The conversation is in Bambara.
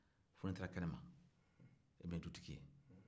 fo n'i taara kɛnɛma a bɛ dutigi e ye